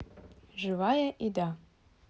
живая еда